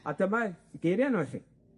A dyma geiria' nw i chi.